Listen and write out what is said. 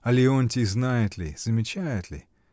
— А Леонтий знает ли, замечает ли?